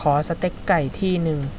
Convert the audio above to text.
ขอสเต็กไก่ที่นึง